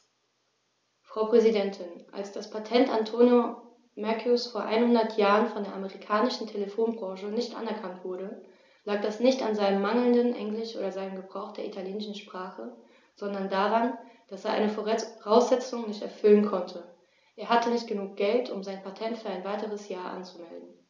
Frau Präsidentin, als das Patent Antonio Meuccis vor einhundert Jahren von der amerikanischen Telefonbranche nicht anerkannt wurde, lag das nicht an seinem mangelnden Englisch oder seinem Gebrauch der italienischen Sprache, sondern daran, dass er eine Voraussetzung nicht erfüllen konnte: Er hatte nicht genug Geld, um sein Patent für ein weiteres Jahr anzumelden.